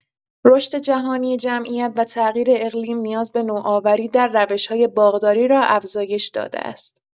رشد جهانی جمعیت و تغییر اقلیم نیاز به نوآوری در روش‌های باغداری را افزایش داده است.